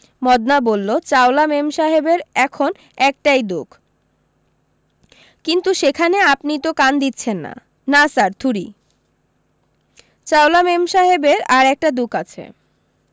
মদনা বললো চাওলা মেমসাহেবের এখন একটাই দুখ কিন্তু সেখানে আপনি তো কান দিচ্ছেন না না স্যার থুড়ি চাওলা মেমসাহেবের আর একটা দুখ আছে